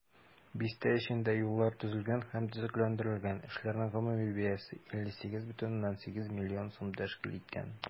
Бистә эчендә юллар төзелгән һәм төзекләндерелгән, эшләрнең гомуми бәясе 58,8 миллион сум тәшкил иткән.